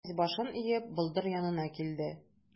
Князь, башын иеп, болдыр янына килде.